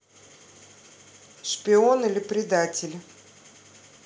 шпион или предатель